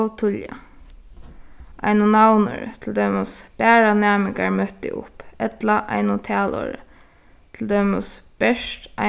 ov tíðliga einum navnorði til dømis bara næmingar møttu upp ella einum talorði til dømis bert